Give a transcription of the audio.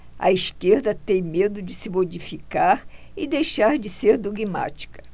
a esquerda tem medo de se modificar e deixar de ser dogmática